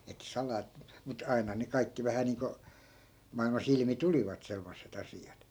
että salaa mutta aina ne kaikki vähän niin kuin maailmassa ilmi tulivat semmoiset asiat